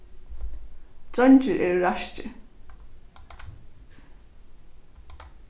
dreingir eru raskir